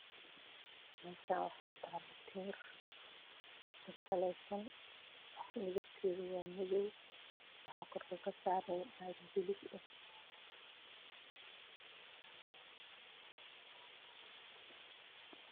Meeshan waxaa iiga muuqdo timir midabkooda yahay madow saaran miis bac kuse jaran bajaaj ayaa ka dambeyso